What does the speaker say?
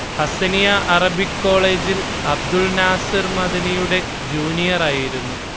Hasaniya Arabic കോളേജിൽ അബ്ദുള്‍ നാസര്‍ മദനിയുടെ ജൂനിയറായിരുന്നു